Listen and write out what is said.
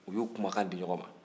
u y'u kumakan di ɲɔgɔn ma